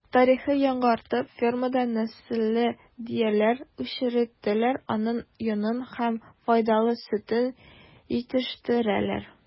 Тарихны яңартып фермада нәселле дөяләр үчретәләр, аның йонын һәм файдалы сөтен җитештерәләр.